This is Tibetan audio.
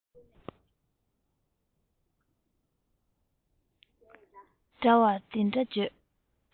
རྒན མོས བུ ལོན ཆད པ དང